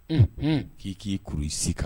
Un k'i k'i ksi kan